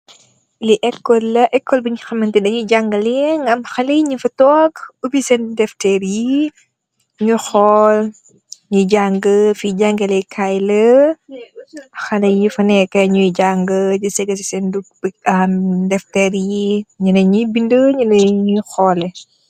Li ecole la ecole bi nga hamnex dey nyui jangaleh nga ham xale nyung fa tog epee sen tereh yi di xol nyu janga fi jangale kai la xale yu la xale yu fa neka nyu janga nyenen di sega si sen am tereh yi nyenen benda nyenen yi di xolex.